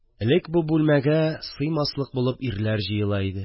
Элек бу бүлмәгә сыймаслык булып ирләр җыела иде